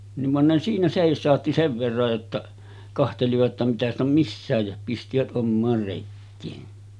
niin vaan ne siinä seisautti sen verran jotta katselivat jotta mitä sitä on missäkin ja pistivät omaan rekeen